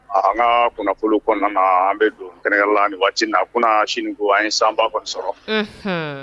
An ka kunnafoni kɔnɔna na, an bɛ don kɛrɛnkɛrɛnna ni waati in na, kununasini don an ye san ba kɔnni sɔrɔ. Unhun!